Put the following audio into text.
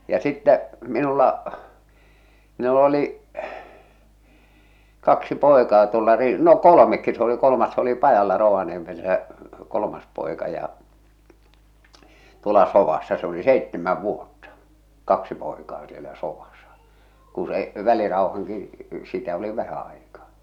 ja sitten minulla minulla oli kaksi poikaa tuolla - no kolmekin se oli kolmas se oli pajalla - Rovaniemessä kolmas poika ja tuolla sodassa se oli seitsemän vuotta kaksi poikaa siellä sodassa kun se välirauhankin sitä oli vähän aikaa